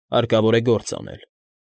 Հարկավոր է գործ անել։